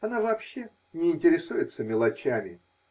Она вообще не интересуется мелочами.